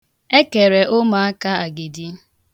Ekere ụmụaka agidi.